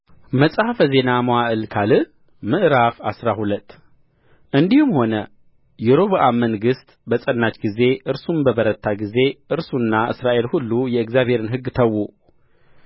መጽሐፈ ዜና መዋዕል ካልዕ ምዕራፍ አስራ ሁለት እንዲህም ሆነ የሮብዓም መንግሥት በጸናች ጊዜ እርሱም በበረታ ጊዜ እርሱና እስራኤል ሁሉ የእግዚአብሔርን ሕግ ተዉ